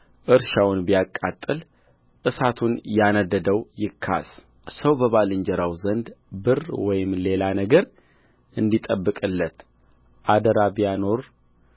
እርሻውን ቢያቃጥል እሳቱን ያነደደው ይካስ ሰው በባልንጀራው ዘንድ ብር ወይም ሌላ ነገር እንዲጠብቅለት አደራ ቢያኖር